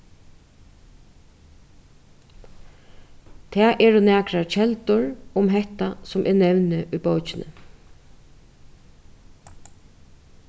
tað eru nakrar keldur um hetta sum eg nevni í bókini